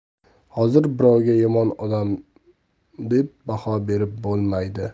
hozir birovga yomon odam deb baho berib bo'lmaydi